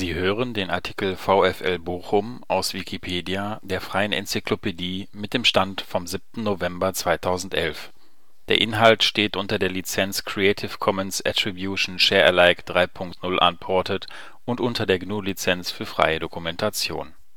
hören den Artikel VfL Bochum, aus Wikipedia, der freien Enzyklopädie. Mit dem Stand vom Der Inhalt steht unter der Lizenz Creative Commons Attribution Share Alike 3 Punkt 0 Unported und unter der GNU Lizenz für freie Dokumentation